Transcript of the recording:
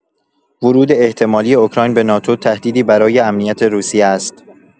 ورود احتمالی اوکراین به ناتو تهدیدی برای امنیت روسیه است.